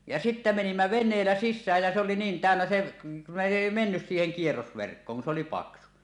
ja sitten menimme veneellä sisään ja se oli niin täynnä se ne ei mennyt siihen kierrosverkkoon kun se oli paksu